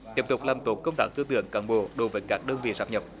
tiếp tục làm tốt công tác tư tưởng cán bộ đối với các đơn vị sáp nhập